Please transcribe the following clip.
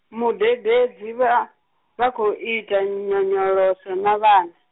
mudededzi vha, vha khou ita nyonyoloso na vhana.